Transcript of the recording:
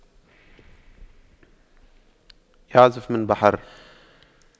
يَغْرِفُ من بحر